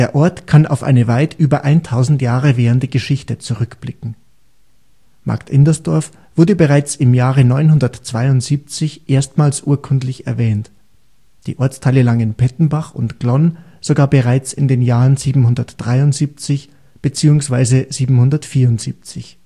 Ort kann auf eine weit über 1000 Jahre währende Geschichte zurückblicken. Markt Indersdorf wurde bereits im Jahre 972 erstmals urkundlich erwähnt, die Ortsteile Langenpettenbach und Glonn sogar bereits in den Jahren 773 bzw. 774